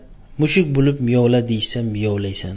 mushuk bo'lib miyovla deyishsa miyovlaysan